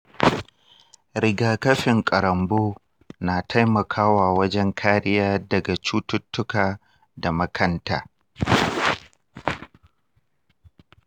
rigakafin karonbo na taimakawa wajen kariya daga cututtuka da makanta.